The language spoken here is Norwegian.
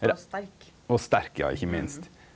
er det og sterk ja ikkje minst.